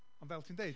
Ond fel ti'n dweud...